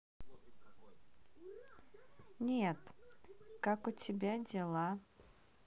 нет как у тебя дела